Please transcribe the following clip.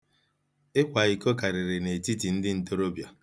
Ịkwa iko karịrị n'etiti ndị ntorobịa.